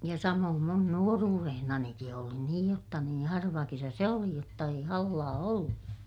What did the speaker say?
ja samoin minun nuoruudessanikin oli niin jotta niin harva kesä se oli jotta ei hallaa ollut